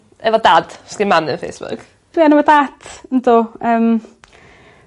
Efo dad, sdim mam efo Facebook. Dwi arno efo dat yndw yym.